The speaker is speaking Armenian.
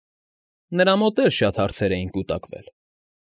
Նրա մոտ էլ շատ հարցեր էին կուտակվել։